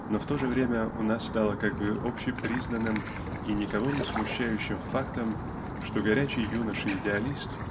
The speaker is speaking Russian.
Но в то же время у нас стало как бы общепризнанным и никого не смущающим фактом что горячий юноша-идеалист